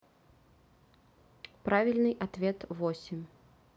правильный ответ восемь